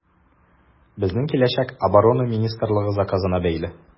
Безнең киләчәк Оборона министрлыгы заказына бәйле.